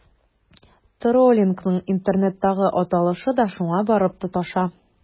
Троллингның интернеттагы аталышы да шуңа барып тоташа.